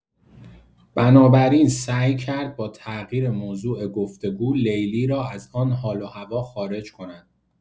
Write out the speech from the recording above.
بنابراین سعی کرد با تغییر موضوع گفتگو، لیلی را از آن حال و هوا خارج کند.